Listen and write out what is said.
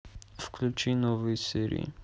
включи новые серии